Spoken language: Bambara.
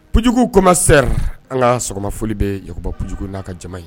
P kojugujugu koma sera an ka sɔgɔmafolo bɛyba kojugujugu n'a ka jama ye